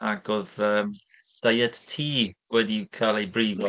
Ac oedd, yym, diet ti wedi cael ei brifo.